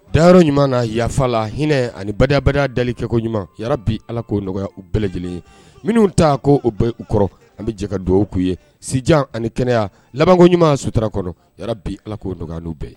Dayɔrɔ ɲuman na yafafa la hinɛinɛ anibaaruya da kɛko ɲuman bi ala koo nɔgɔya u bɛɛ lajɛlen ye minnu ta ko o bɛ u kɔrɔ an bɛ jɛka dugawu' uu ye sijan ani kɛnɛyaya labanko ɲuman suturara kɔnɔ ya bi ala koo nɔgɔya uu bɛɛ